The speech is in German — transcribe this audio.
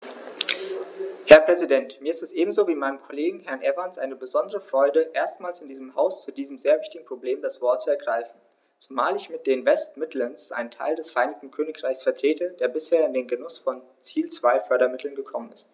Herr Präsident, mir ist es ebenso wie meinem Kollegen Herrn Evans eine besondere Freude, erstmals in diesem Haus zu diesem sehr wichtigen Problem das Wort zu ergreifen, zumal ich mit den West Midlands einen Teil des Vereinigten Königreichs vertrete, der bisher in den Genuß von Ziel-2-Fördermitteln gekommen ist.